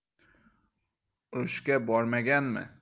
urushga bormaganmi